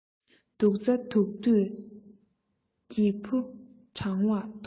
སྡུག རྩ ཐུག དུས སྒྱིད བུ གྲང བ མཐོང